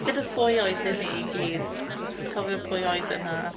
Gyda phwy oedden ni i gyd? Ti'n cofio pwy oedd yna?